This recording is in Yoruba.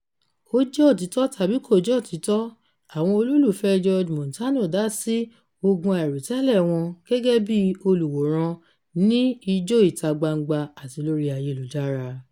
Ó jẹ́ òtítọ́ tàbí kò jẹ́ òtítọ́, àwọn olólùfẹ́ẹ George/Montano dá sí ogun àìròtẹ́lẹ̀ wọn gẹ́gẹ́ bí olùwòràn, ní Ijó ìta-gbangba àti lórí ayélujára.